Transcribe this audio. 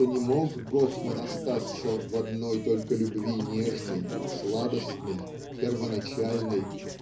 что не мог Гофман остаться в одной только любви нежной сладостной первоначальной